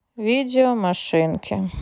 видео машинки